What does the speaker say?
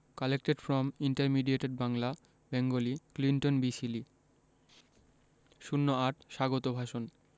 collected from intermediated Bangla Bengali Clinton B silly ০৮ স্বাগত ভাষণ